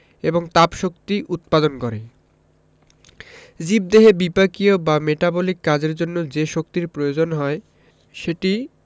এবং তাপশক্তি উৎপাদন করে জীবদেহে বিপাকীয় বা মেটাবলিক কাজের জন্য যে শক্তির প্রয়োজন হয় সেটি